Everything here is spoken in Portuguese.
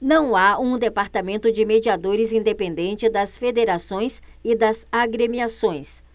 não há um departamento de mediadores independente das federações e das agremiações